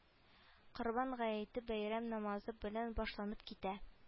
Корбан гаете бәйрәм намазы белән башланып китә